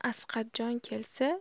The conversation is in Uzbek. asqarjon kelsa